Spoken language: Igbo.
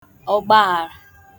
ọ̀gbàghàrà